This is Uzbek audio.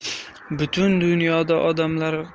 butun dunyoda odamlar